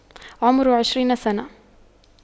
عمر عشرين سنة